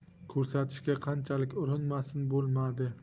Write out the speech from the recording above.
ko'rsatishga qanchalik urinmasin bo'lmadi